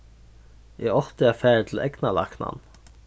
eg átti at farið til eygnalæknan